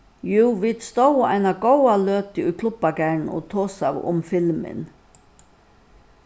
jú vit stóðu eina góða løtu í klubbagarðinum og tosaðu um filmin